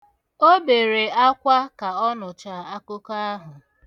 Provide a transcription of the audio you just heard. O bere akwa ka ọ nụcha akụkọ ahụ.